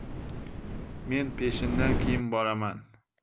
men peshindan keyin boraman